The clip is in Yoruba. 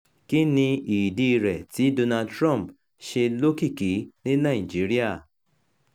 Kíni ìdí irẹ̀ tí Donald Trump ṣe l'ókìkí ní Nàìjíríà?